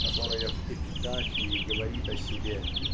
которая в "Эпитафии" говорит о себе